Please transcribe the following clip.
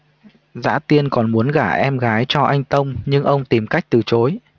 dã tiên còn muốn gả em gái cho anh tông nhưng ông tìm cách từ chối